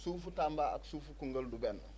suufu Tamba ak suufu Koungheul du benn